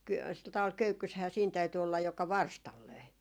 - sillä tavalla köykyssähän siinä täytyi olla joka varstalla löi